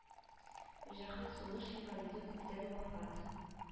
Мөҗәһит сугыш инвалиды күптән вафат